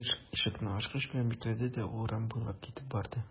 Ул ишекне ачкыч белән бикләде дә урам буйлап китеп барды.